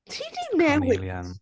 Ti 'di newid... Carnelian.